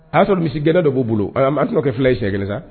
A y'a sɔrɔ misigɛ dɔ b' bolo a tɛnao kɛ fila i sɛg sa